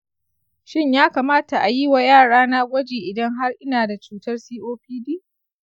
shin ya kamata a yi wa yarana gwaji idan ina da cutar copd?